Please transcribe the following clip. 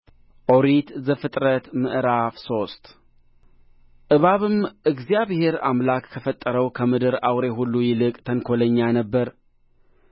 ኦሪት ዘፍጥረት ምዕራፍ ሶስት እባብም እግዚአብሔር አምላክ ከፈጠረው ከምድር አውሬ ሁሉ ይልቅ ተንኰለኛ ነበረ